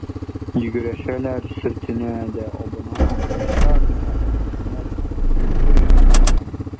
Йөгерешәләр, сөртенә дә абына, барча мөэминнәр «Көфер почмагы»на.